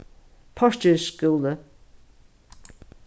porkeris skúli